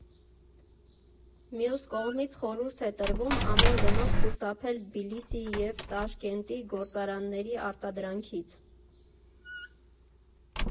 Մյուս կողմից՝ խորհուրդ է տրվում ամեն գնով խուսափել Թբիլիսիի և Տաշկենտի գործարանների արտադրանքից։